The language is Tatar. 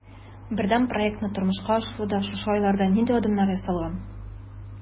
Бердәм проектны тормышка ашыруда шушы айларда нинди адымнар ясалган?